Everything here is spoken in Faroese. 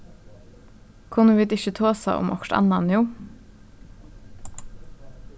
kunnu vit ikki tosa um okkurt annað nú